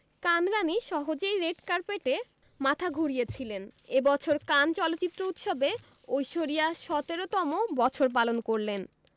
কান রাণী সহজেই রেড কার্পেটে মাথা ঘুরিয়েছিলেন এ বছর কান চলচ্চিত্র উৎসবে ঐশ্বরিয়া ১৭তম বছর পালন করলেন